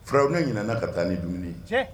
Farawɛ ɲin karata ni dumuni ye